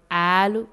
Aalo